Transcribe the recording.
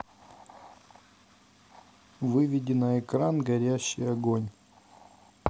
выведи на экран горящий огонь